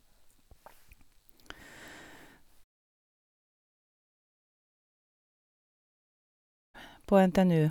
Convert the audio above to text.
på NTNU.